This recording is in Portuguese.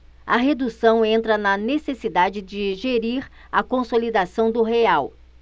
a redução entra na necessidade de gerir a consolidação do real